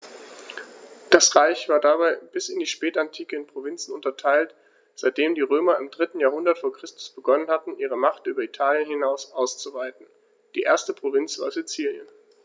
Das Reich war dabei bis in die Spätantike in Provinzen unterteilt, seitdem die Römer im 3. Jahrhundert vor Christus begonnen hatten, ihre Macht über Italien hinaus auszuweiten (die erste Provinz war Sizilien).